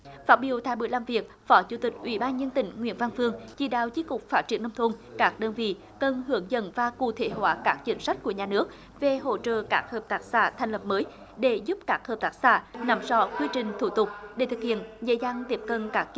phát biểu tại buổi làm việc phó chủ tịch ủy ban dân tỉnh nguyễn văn phương chỉ đạo chi cục phát triển nông thôn các đơn vị cần hướng dẫn và cụ thể hóa các chính sách của nhà nước về hỗ trợ các hợp tác xã thành lập mới để giúp các hợp tác xã nắm rõ quy trình thủ tục để thực hiện dễ dàng tiếp cận các